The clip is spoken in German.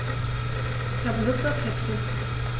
Ich habe Lust auf Häppchen.